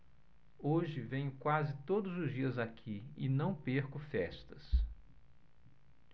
hoje venho quase todos os dias aqui e não perco festas